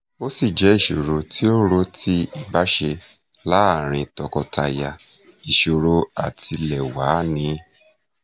Ó sì jẹ́ ìṣòro tí ó ń ro ti ìbáṣe láàárín tọkọtaya – ìṣòro àtilẹ̀wá ni.